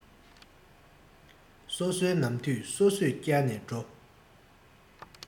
སོ སོའི ནམ དུས སོ སོས བསྐྱལ ནས འགྲོ